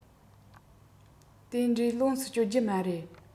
དེ འདྲའི ལོངས སུ སྤྱོད རྒྱུ མ རེད